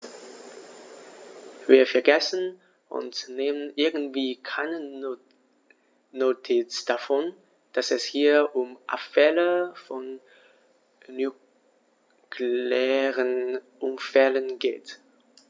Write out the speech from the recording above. Wir vergessen, und nehmen irgendwie keine Notiz davon, dass es hier um Abfälle von nuklearen Unfällen geht.